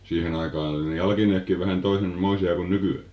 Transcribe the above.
siihen aikaan oli ne jalkineetkin vähän toisen moisia kuin nykyään